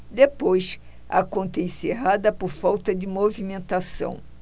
depois a conta é encerrada por falta de movimentação